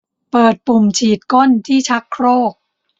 เปิดปุ่มฉีดก้นที่ชักโครก